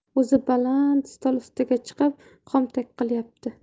o'zi baland stol ustiga chiqib xomtok qilyapti